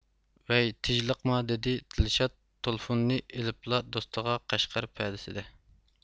ۋەي تېژلىقما دىدى دىلشاد تېلىفوننى ئېلىپلا دوستىغا قەشقەر پەدىسىدە